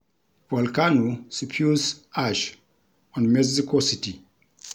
Volcano spews ash on Mexico City